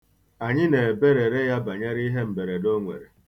Anyị na-eberere ya banyere ihe mberede o nwere.